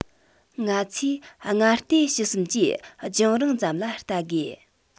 ང ཚོས སྔ བལྟས ཕྱི བསམ གྱིས རྒྱང རིང ཙམ ལ བལྟ དགོས